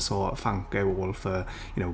So thank you all for, you know...